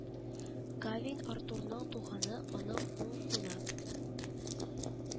Гавейн, Артурның туганы, аның уң кулы